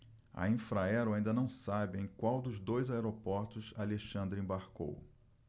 a infraero ainda não sabe em qual dos dois aeroportos alexandre embarcou